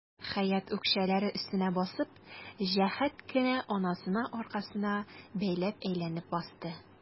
Хәят, үкчәләре өстенә басып, җәһәт кенә анасына аркасы белән әйләнеп басты.